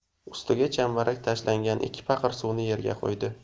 ustiga chambarak tashlangan ikki paqir suvni yerga qo'ydi